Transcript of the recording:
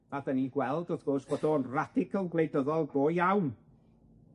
a 'dan ni'n gweld, wrth gwrs, bod o'n radical gwleidyddol go iawn,